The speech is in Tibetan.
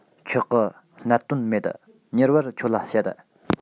ཆོག གི གནད དོན མེད མྱུར བར ཁྱོད ལ བཤད